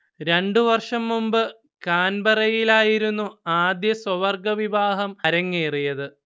രണ്ടു വർഷം മുമ്പ് കാൻബറയിലായിരുന്നു ആദ്യ സ്വവർഗ വിവാഹം അരങ്ങേറിയത്